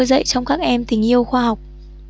dậy trong các em tình yêu khoa học